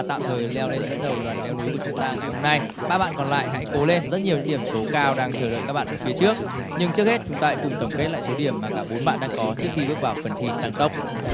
tạm thời leo lên dẫn đầu đoàn leo núi của chúng ta ngày hôm nay ba bạn còn lại hãy cố lên rất nhiều những điểm số cao đang chờ đợi các bạn ở phía trước nhưng trước hết chúng ta hãy cùng tổng kết lại số điểm mà cả bốn bạn đang có trước khi bước vào phần thi tăng tốc